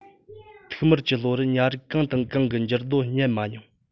ཐིག དམར གྱི ལྷོ རུ ཉ རིགས གང དང གང གི འགྱུར རྡོ རྙེད མ མྱོང